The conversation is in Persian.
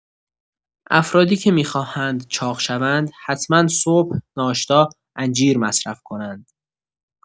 افرادی که می‌خواهند چاق شوند، حتما صبح ناشتا انجیر مصرف کنند.